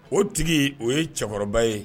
O tigi o ye cɛkɔrɔba ye